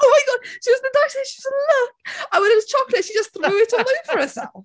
Oh my God! She sees the Dyson and she says, "look!" A wedyn y chocolate, she just threw it all over herself.